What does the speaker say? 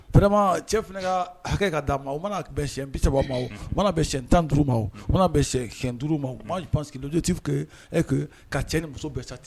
vraiment cɛ fana ka hakɛ ka d'a ma o mana bɛ siɲɛn 30 ma ,la mana bɛn siɲɛn 15 ma , o mana bɛn siɲɛn 5 ma,, moi, je pense que l'objectif que est que ka cɛ ni muso bɛɛ satisfaits